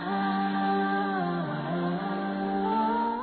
Sa